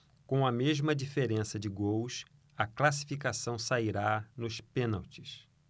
com a mesma diferença de gols a classificação sairá nos pênaltis